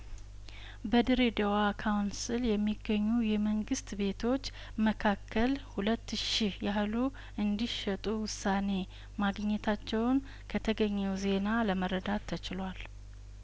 በድሬዳዋ ካውንስል የሚገኙ የመንግስት ቤቶች መካከል ሁለት ሺህ ያህሉ እንዲሸጡ ውሳኔ ማግኘታቸውን ከተገኘው ዜና ለመረዳት ተችሏል